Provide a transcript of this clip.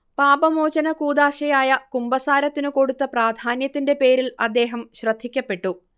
പാപമോചനകൂദാശയായ കുമ്പസാരത്തിനു കൊടുത്ത പ്രാധാന്യത്തിന്റെ പേരിൽ അദ്ദേഹം ശ്രദ്ധിക്കപ്പെട്ടു